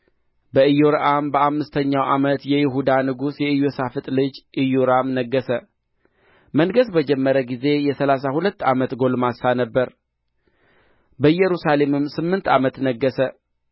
በኢዮራም በአምስተኛው ዓመት የይሁዳ ንጉሥ የኢዮሣፍጥ ልጅ ኢዮራም ነገሠ መንገሥ በጀመረ ጊዜ የሠላሳ ሁለት ዓመት ጕልማሳ ነበረ በኢየሩሳሌምም ስምንት ዓመት ነገሠ